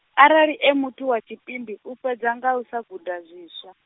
arali e muthu wa tshipimbi, u fhedza nga u sa guda zwiswa.